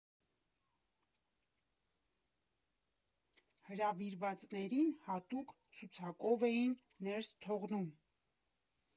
Հրավիրվածներին հատուկ ցուցակով էին ներս թողնում։